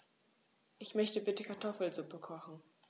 Ich möchte bitte Kartoffelsuppe kochen.